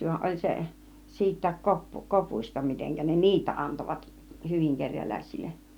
vaan oli se siitäkin - kopuista miten ne niitä antoivat hyvin kerjäläisille